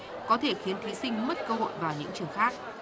có thể khiến thí sinh mất cơ hội vào những trường khác